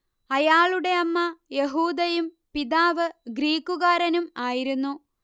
അയാളുടെ അമ്മ യഹൂദയും പിതാവ് ഗ്രീക്കുകാരനും ആയിരുന്നു